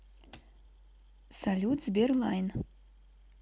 салют сбер лайн